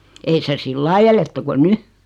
ei se sillä lailla eletty kuin nyt